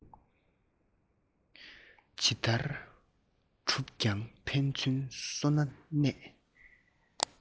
ཇི ལྟར བསྒྲུབས ཀྱང ཕན ཚུན སོ ན གནས